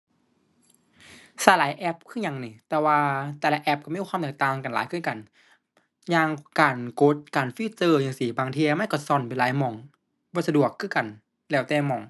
ใช้หลายแอปคือหยังหนิ แต่ว่าแต่ละแอปใช้มีความแตกต่างกันหลายคือกัน อย่างการกด การฟีเจอร์จั่งซี้ บางเที่ยมันใช้ซ่อนไปหลายหม้อง บ่สะดวกคือกัน แล้วแต่หม้อง